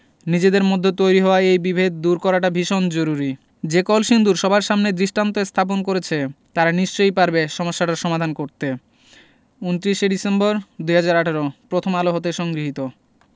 নিজেদের মধ্যে তৈরি হওয়া এই বিভেদ দূর করাটা ভীষণ জরুরি যে কলসিন্দুর সবার সামনে দৃষ্টান্ত স্থাপন করেছে তারা নিশ্চয়ই পারবে সমস্যাটার সমাধান করতে ২৯ ডিসেম্বর ২০১৮ প্রথম আলো হতে সংগৃহীত